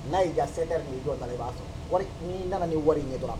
N'a ye jasɛ de ye jɔ da i b'a sɔrɔ min nana ni wari ɲɛ dɔrɔn